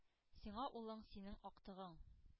Сиңа улың — синең актыгың